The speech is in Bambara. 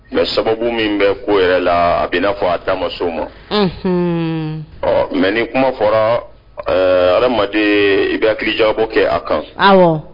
N mɛ sababu min bɛ ko yɛrɛ la a bɛnaa fɔ a damaso ma ɔ mɛ nin kuma fɔra aleden i ka hakilijabɔ kɛ a kan